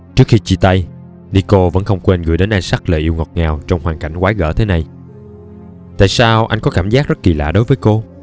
trước khi chia tay nicole vẫn không quên gửi đến isaac lời yêu ngọt ngào trong hoàn cảnh quái gở thế này tại sao anh có cảm giác rất kì lạ đối với cô